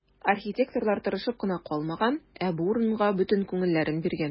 Архитекторлар тырышып кына калмаган, ә бу урынга бөтен күңелләрен биргән.